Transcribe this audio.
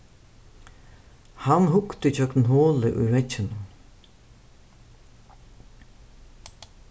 hann hugdi gjøgnum holið í vegginum